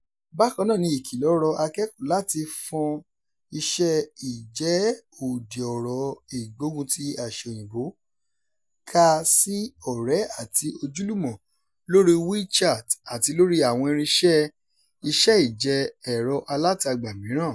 Bákan náà ni ìkìlọ̀ rọ akẹ́kọ̀ọ́ láti fọ́n iṣẹ́-ìjẹ́ òdì-ọ̀rọ̀ ìgbógunti àṣà Òyìnbó ká sí ọ̀rẹ́ àti ojúlùmọ̀ lórí WeChat àti lórí àwọn irinṣẹ́ iṣẹ́-ìjẹ́ ẹ̀rọ-alátagbà mìíràn.